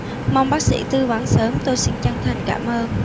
mong bác sỹ tư vấn sớm tôi xin chân thành cảm ơn